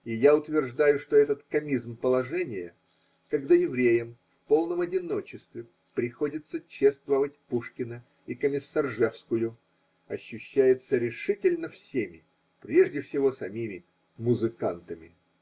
И я утверждаю, что этот комизм положения, когда евреям в полном одиночестве приходится чествовать Пушкина и Комиссаржевскую, ощущается решительно всеми, прежде всего самими музыкантами.